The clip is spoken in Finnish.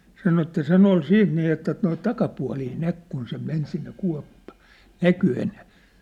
sanoi että sen oli sitten niin että noita takapuolia näki kun se meni sinne kuoppa näkyi enää